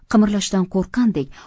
qimirlashdan qo'rqqandek